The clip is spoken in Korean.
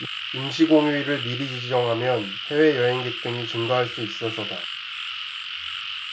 임시공휴일을 미리 지정하면 해외 여행객 등이 증가할 수 있어서다